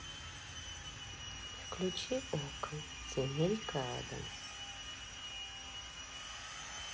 включи окко семейка аддамс